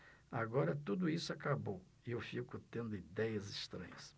agora tudo isso acabou e eu fico tendo idéias estranhas